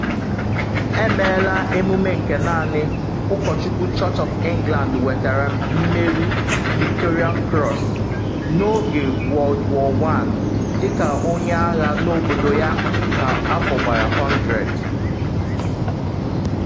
Emeela emume nke naanị ụkọchukwu Church of England nwetara mmeri Victoria Cross n’oge World War One dị ka onye agha n’obodo ya ka afọ gbara 100.